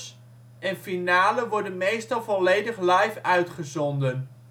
finale worden meestal volledig live uitgezonden